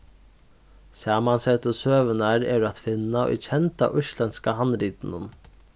samansettu søgurnar eru at finna í kenda íslendska handritinum